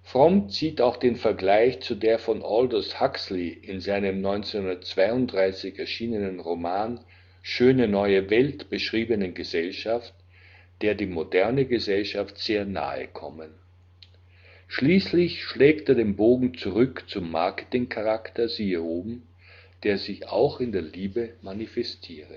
Fromm zieht auch den Vergleich zu der von Aldous Huxley in seinem 1932 erschienenen Roman „ Schöne neue Welt “beschriebenen Gesellschaft, der die moderne Gesellschaft sehr nahe komme. Schließlich schlägt er den Bogen zurück zum Marketing-Charakter (s. o.), der sich auch in der Liebe manifestiere